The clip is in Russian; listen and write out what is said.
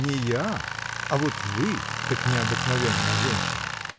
— Не я, а вот вы так необыкновенная женщина!